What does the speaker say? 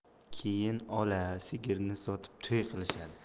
keyin ola sigirni sotib to'y qilishadi